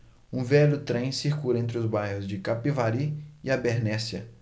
um velho trem circula entre os bairros de capivari e abernéssia